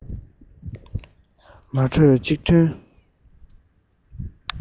མ བགྲོས གཅིག མཐུན